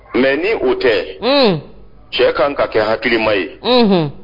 Mɛ ni o tɛ cɛ kan ka kɛ hakilima ye